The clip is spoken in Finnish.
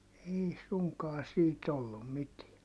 ei suinkaan siitä ollut mitään